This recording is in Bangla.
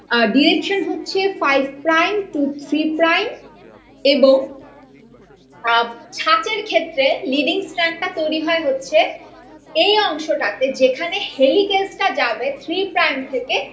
ডিরেকপশান হচ্ছে five prime to three prime এবং ছাঁচের ক্ষেত্রে লিডিং স্ট্র্যান্ড টা তৈরি হয় হচ্ছে এই অংশটাতে যেখানে হেলিকেজ টা যাবে থ্রি প্রাইম থেকে